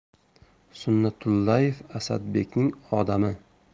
sunnatullaev asadbekning odami